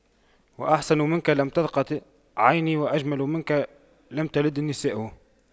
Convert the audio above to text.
وأحسن منك لم تر قط عيني وأجمل منك لم تلد النساء